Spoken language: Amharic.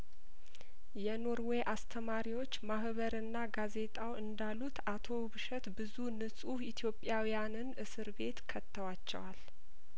የኖርዌይ አስተማሪዎች ማህበርና ጋዜጣው እንዳሉት አቶ ውብሸት ብዙንጹህ ኢትዮጵያዊያንን እስር ቤት ከተዋቸዋል